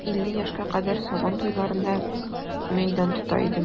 Илле яшькә кадәр сабан туйларында мәйдан тота идем.